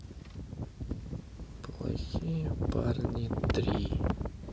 плохие парни три